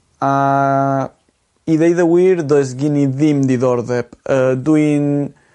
a i ddeud y wir does gen i ddim diddordeb yy dwi'n